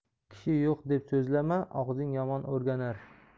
kishi yo'q deb so'zlama og'zing yomon o'rganar